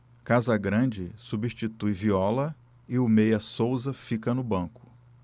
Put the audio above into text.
casagrande substitui viola e o meia souza fica no banco